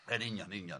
Yn union union.